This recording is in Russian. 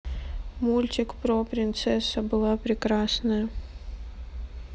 мультик про принцесса была прекрасная